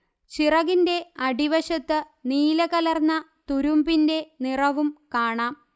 ചിറകിന്റെ അടിവശത്ത് നീലകലർന്ന തുരുമ്പിന്റെ നിറവും കാണാം